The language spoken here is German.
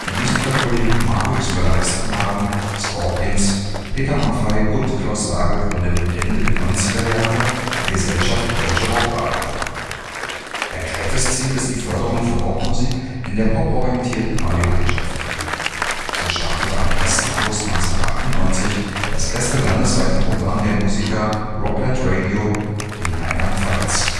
Musiker-Kollegen Marius Müller-Westernhagen, Scorpions, Peter Maffay und Klaus Lage gründeten Ende der 1990er Jahre die Gesellschaft Deutsche RockRadio. Erklärtes Ziel ist die Förderung von Rockmusik in der pop-orientierten Radiolandschaft. So startete am 1. August 1998 das erste landesweite Programm der Musiker Rockland Radio in Rheinland-Pfalz